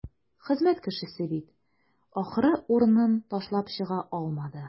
Хезмәт кешесе бит, ахры, урынын ташлап чыга алмады.